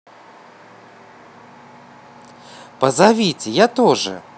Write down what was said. позовите я тоже